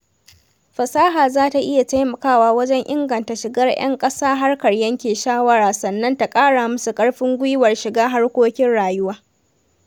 Fasaha za ta iya taimakawa wajen inganta shigar 'yan ƙasa harkar yanke shawara sannan ta ƙara musu ƙarfin gwiwar shiga harkokin rayuwa.